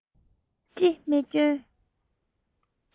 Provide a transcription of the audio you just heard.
ཅི མི སྐྱོན